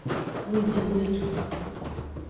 выйди быстро